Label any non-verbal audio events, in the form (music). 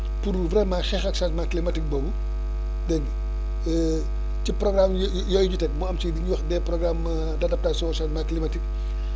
pour vraiment xee ak changement climatique boobu dégg nga (hesitation) ci programme yo yooyu ñu teg mu am ci lu ñuy wax des programmes (hesitation) d' adaptation changement climatique (breath)